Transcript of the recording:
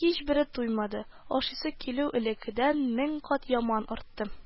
Һичбере туймады, ашыйсы килү элеккедән мең кат яман артты